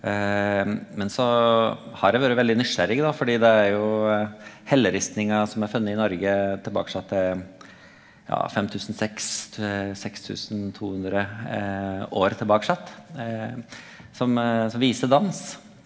men så har eg vore veldig nysgjerrig da, fordi det er jo helleristningar som er funne i Noreg tilbake att til ja 5000 seks til 6200 år tilbake att som som viser dans.